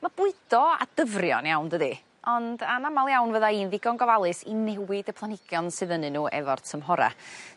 Ma' bwydo a dyfrio'n iawn dydi ond anamal iawn fydda i'n ddigon gofalus i newid y planhigion sydd ynnyn n'w efo'r tymhora.